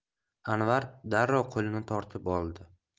anvar darrov qo'lini tortib oldi